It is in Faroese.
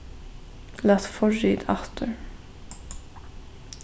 lat forrit aftur